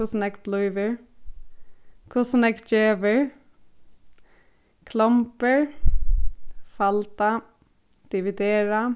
hvussu nógv blívur hvussu nógv gevur klombur falda dividera